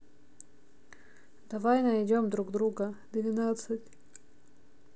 давай найдем друг друга двенадцать